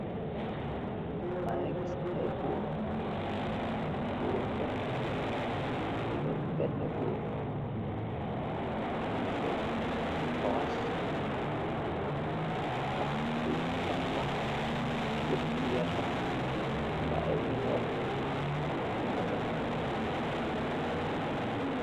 Makeh kess ayy gorr , gorr yu bareh juroom beneh koor nugeh sol ayy kawass ak tubaii ak mbubah yeep yu werta , ayy demorr yu neteeh.